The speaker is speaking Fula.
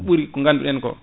ko ɓuuri ko ganduɗen ko